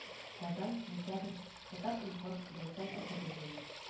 Казан сентябрь татар-информ ләйсән әсәдуллина